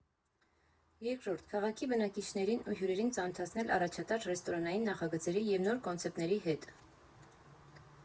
Երկրորդ՝ քաղաքի բնակիչներին և հյուրերին ծանոթացնել առաջատար ռեստորանային նախագծերի և նոր կոնցեպտների հետ։